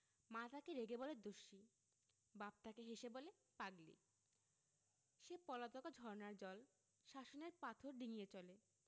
মা তাকে রেগে বলে দস্যি বাপ তাকে হেসে বলে পাগলি সে পলাতকা ঝরনার জল শাসনের পাথর ডিঙ্গিয়ে চলে